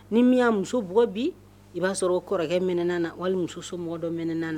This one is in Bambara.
Ni min' muso bugɔgɔ bi i b'a sɔrɔ kɔrɔkɛmin na wali muso so mɔgɔ dɔminan na